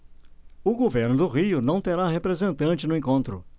o governo do rio não terá representante no encontro